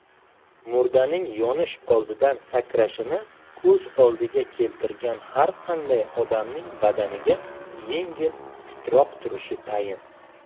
murdaning yonish oldidan sakrashini ko'z oldiga keltirgan har qanday odamning badanida yengil titroq turishi tayin